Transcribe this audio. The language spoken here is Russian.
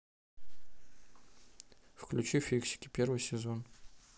включи фиксики первый сезон